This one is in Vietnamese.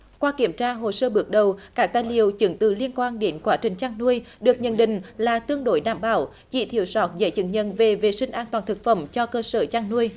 qua kiểm tra hồ sơ bước đầu cả tài liệu chứng từ liên quan đến quá trình chăn nuôi được nhận định là tương đối đảm bảo chỉ thiếu sót giấy chứng nhận về vệ sinh an toàn thực phẩm cho cơ sở chăn nuôi